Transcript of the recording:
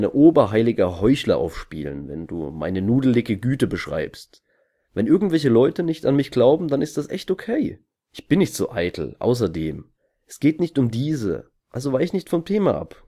oberheiliger Heuchler aufspielen, wenn du meine nudlige Güte beschreibst. Wenn irgendwelche Leute nicht an mich glauben, ist das echt okay. Ich bin nicht so eitel. Außerdem: Es geht nicht um diese, also weich nicht vom Thema ab